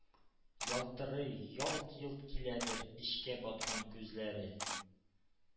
Ялтырый, ялт-йолт киләдер эчкә баткан күзләре,